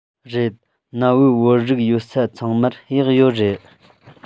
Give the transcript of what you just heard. རེད གནའ བོའི བོད རིགས ཡོད ས ཚང མར གཡག ཡོད རེད